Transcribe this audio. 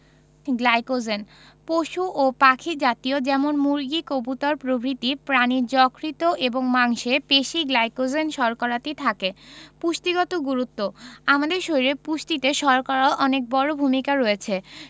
glycogen পশু ও পাখি জাতীয় যেমন মুরগি কবুতর প্রভৃতি প্রাণীর যকৃৎ এবং মাংসে পেশি গ্লাইকোজেন শর্করাটি থাকে পুষ্টিগত গুরুত্ব আমাদের শরীরের পুষ্টিতে শর্করার অনেক বড় ভূমিকা রয়েছে